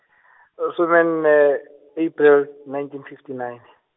some nne, April, nineteen fifty nine.